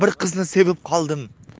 bir qizni sevib qoldim